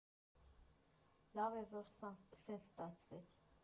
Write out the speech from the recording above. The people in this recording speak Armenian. Լավ էր, որ սենց ստացվեց։